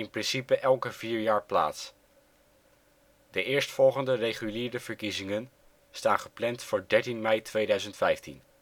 principe elke vier jaar plaats. De eerstvolgende reguliere verkiezingen staan gepland voor 13 mei 2015